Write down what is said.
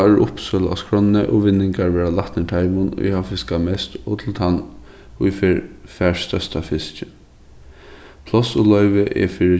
tá er uppboðssøla á skránni og vinningar vera latnir teimum ið hava fiskað mest og til tann ið fer fær størsta fiskin pláss og loyvi er fyri